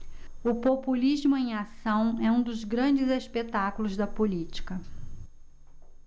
o populismo em ação é um dos grandes espetáculos da política